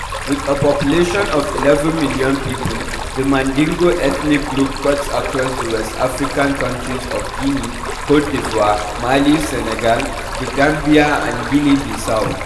With a population of 11 million people, the Mandingo ethnic group cuts across the West African countries of Guinea, Cote d'Ivoire, Mali, Senegal, the Gambia and Guinea-Bissau.